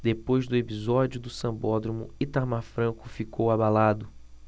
depois do episódio do sambódromo itamar franco ficou abalado